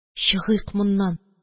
Чыгыйк моннан